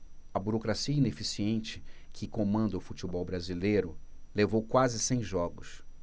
a burocracia ineficiente que comanda o futebol brasileiro levou quase cem jogos